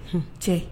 H cɛ